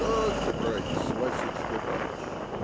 Так-то, братец, Василий Степаныч.